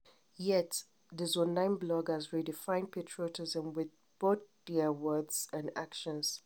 Yet, the Zone9 bloggers redefined patriotism with both their words and actions.